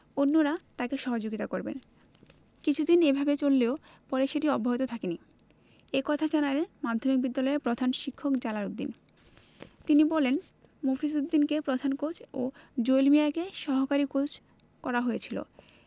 অন্যরা তাঁকে সহযোগিতা করবেন কিছুদিন এভাবে চললেও পরে সেটি অব্যাহত থাকেনি একই কথা জানালেন মাধ্যমিক বিদ্যালয়ের প্রধান শিক্ষক জালাল উদ্দিন তিনি বলেন মফিজ উদ্দিনকে প্রধান কোচ ও জুয়েল মিয়াকে সহকারী কোচ করা হয়েছিল